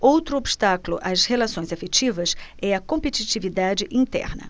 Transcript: outro obstáculo às relações afetivas é a competitividade interna